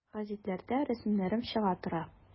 Гәзитләрдә рәсемнәрем чыга тора.